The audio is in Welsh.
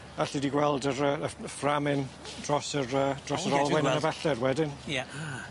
Alli di gweld yr yy y f- yy fframin dros yr yy dros yr olwyn yn y bellder wedyn. Ie.